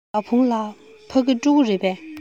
ཞའོ ཧྥུང ལགས ཕ གི སློབ ཕྲུག རེད པས